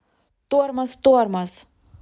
тормоз тормоз